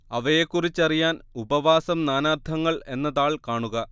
അവയെക്കുറിച്ചറിയാൻ ഉപവാസം നാനാർത്ഥങ്ങൾ എന്ന താൾ കാണുക